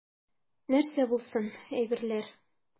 Нәрсә булсын, әйберләр.